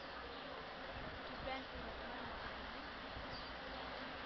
Түбән Уратма мәктәбенең